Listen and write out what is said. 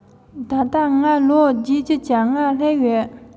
ལོ ན དེ ཙམ ལ སླེབས དུས རང རྟོགས རང བཞིན ཡོད དགོས ཀྱི རེད